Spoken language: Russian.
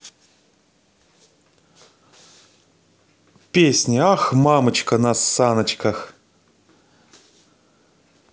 песня ах мамочка на саночках